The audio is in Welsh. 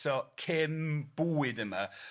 So cyn bwyd yma.